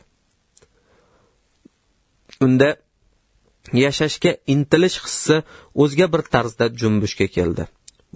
unda yashashga intilish hissi o'zga bir tarzda junbishga keldi